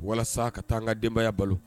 Walasa ka taa n ka denbaya balo.